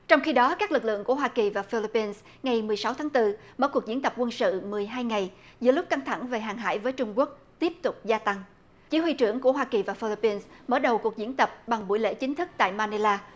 trong khi đó các lực lượng của hoa kỳ và phi líp pin ngày mười sáu tháng tư mở cuộc diễn tập quân sự mười hai ngày giữa lúc căng thẳng về hàng hải với trung quốc tiếp tục gia tăng chỉ huy trưởng của hoa kỳ và phi líp pin mở đầu cuộc diễn tập bằng buổi lễ chính thức tại ma ni la